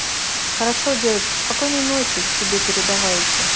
хорошо доченька спокойной ночи тебе передавайте